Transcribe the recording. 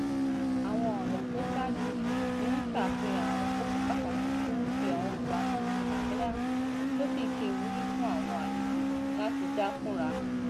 Ọ̀kọọ̀kan àwọn ọ̀rọ̀ tó ṣáájú yìí ni ó ń ṣàfihàn àwọn kókó pàtàkì tí ó ń fi àwọn ìwà Nelson Mandela hàn tí ó sì ń ṣe ìwúrí fún àwọn àlejò láti já kúnra.